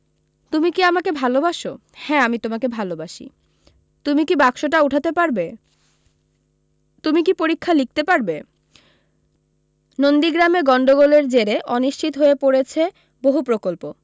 তুমি কী আমাকে ভালোবাসো হ্যা আমি তোমাকে ভালোবাসি তুমি কী বাক্সটা ওঠাতে পারবে তুমি কী পরীক্ষা লিখতে পারবে নন্দীগ্রামে গণ্ডগোলের জেরে অনিশ্চিত হয়ে পড়েছে বহু প্রকল্প